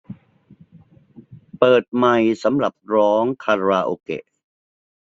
เปิดไมค์สำหรับร้องคาราโอเกะ